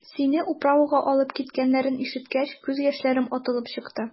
Сине «управа»га алып киткәннәрен ишеткәч, күз яшьләрем атылып чыкты.